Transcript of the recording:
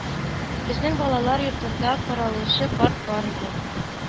Безнең балалар йортында каравылчы карт бар иде